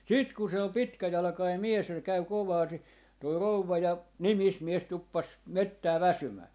sitten kun se oli pitkäjalkainen mies ja se kävi kovaa - tuo rouva ja nimismies tuppasi metsään väsymään